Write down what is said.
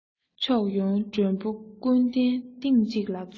ཕྱོགས ཡོང མགྲོན པོ ཀུན གདན སྟེང གཅིག ལ འཛོམས